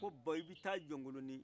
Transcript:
ko bɔn i bɛ taa jonkolonin